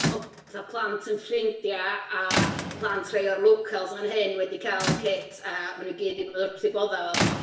o fatha plant yn ffrindiau a plant rhai o'r locals yn fan hyn wedi cael cit, a maen nhw gyd wedi bod wrth eu boddau efo fo.